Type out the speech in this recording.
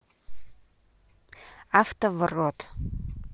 авто в рот